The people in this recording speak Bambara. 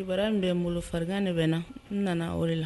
Bara in bɛ n bolofakan de bɛ na nana o la